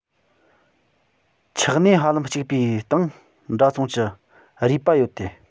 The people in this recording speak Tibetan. ཆགས གནས ཧ ལམ གཅིག པའི སྟེང འདྲ མཚུངས ཀྱི རུས པ ཡོད དེ